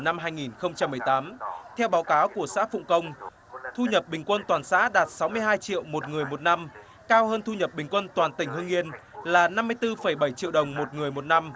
năm hai nghìn không trăm mười tám theo báo cáo của xã phụng công thu nhập bình quân toàn xã đạt sáu mươi hai triệu một người một năm cao hơn thu nhập bình quân toàn tỉnh hưng yên là năm mươi tư phẩy bảy triệu đồng một người một năm